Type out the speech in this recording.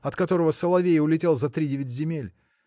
от которого соловей улетел за тридевять земель.